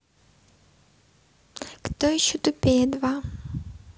кто еще тупее два